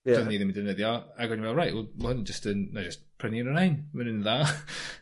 Ie. ...do'n i ddim yn defnyddio ag o'n i'n me'wl reit wel ma' 'wn jyst yn 'nai jyst prynu un o rein. Ma' nw'n dda.